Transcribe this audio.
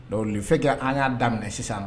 Dɔnku fe kɛ an y'a daminɛ sisan